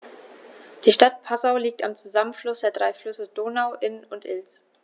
Die Stadt Passau liegt am Zusammenfluss der drei Flüsse Donau, Inn und Ilz.